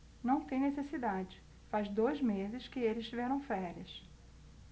não tem necessidade faz dois meses que eles tiveram férias